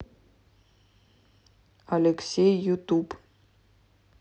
алексей ютуб